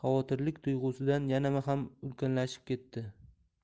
xavotirlik to'yg'usidan yana ham ulkanlashib ketdi